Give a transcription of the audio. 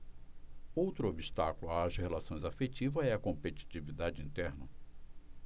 outro obstáculo às relações afetivas é a competitividade interna